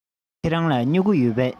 ཁྱེད རང ལ སྨྱུ གུ ཡོད པས